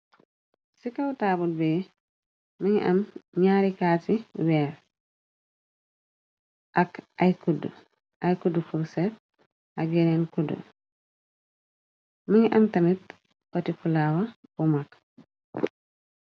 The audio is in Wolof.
ci kaw taabut be mëngi am gñaarikaat i weer ak ay cudd furser ak yeneen kudd më ngi am tamit kotifulaawa bu mag